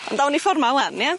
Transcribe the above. Ond awn ni ffor 'ma ŵan ia?